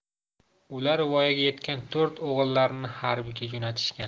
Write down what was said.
ular voyaga yetgan to'rt o'g'illarini harbiyga jo'natishgan